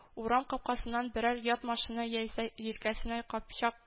Урам капкасыннан берәр ят машина яисә җилкәсенә капчак